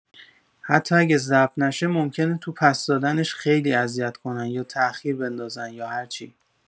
حتی اگه ضبط نشه ممکنه تو پس دادنش خیلی اذیت کنن یا تاخیر بندازن یا هرچی!